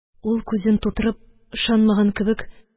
Ул, күзен тутырып, ышанмаган кебек: